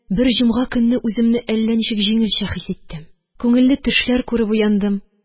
Бер җомга көнне үземне әллә ничек җиңелчә хис иттем. күңелле төшләр күреп уяндым